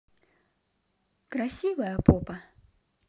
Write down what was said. красивая попа